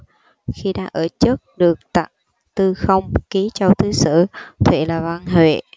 khi đang ở chức được tặng tư không ký châu thứ sử thụy là văn huệ